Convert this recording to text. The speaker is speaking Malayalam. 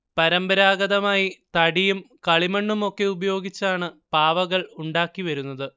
പരമ്പരാഗതമായി തടിയും കളിമണ്ണുമൊക്കെ ഉപയോഗിച്ചാണ് പാവകൾ ഉണ്ടാക്കി വരുന്നത്